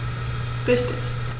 Richtig